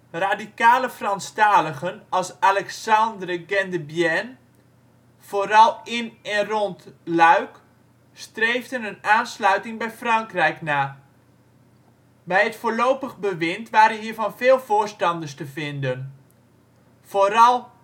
Radicalen Franstaligen als Alexandre Gendebien, vooral in en rond Luik, streefden een aansluiting bij Frankrijk na; bij het Voorlopig Bewind waren hiervan veel voorstanders te vinden. Voor